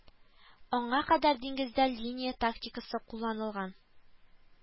Аңа кадәр диңгездә линия тактикасы кулланылган